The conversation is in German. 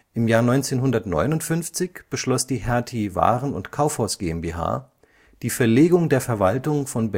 1959 beschloss die Hertie Waren - und Kaufhaus GmbH die Verlegung der Verwaltung von